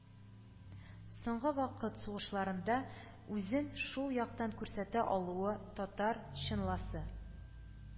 Соңгы ватан сугышларында үзен шул яктан күрсәтә алуы, татар, чынласа,